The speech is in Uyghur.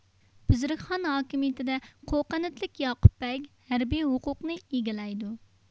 بۇزرۇكخان ھاكىمىيىتىدە قوقەنتلىك ياقۇپبەگ ھەربىي ھوقۇقنى ئىگىلەيدۇ